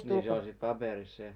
niin se oli sitten paperissa se